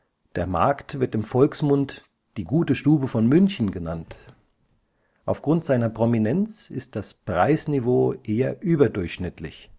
Der Markt wird im Volksmund „ die gute Stube von München “genannt. Aufgrund seiner Prominenz ist das Preisniveau eher überdurchschnittlich